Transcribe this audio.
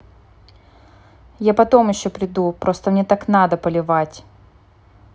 я потом еще приду просто мне так надо поливать